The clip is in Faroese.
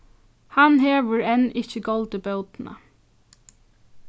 hann hevur enn ikki goldið bótina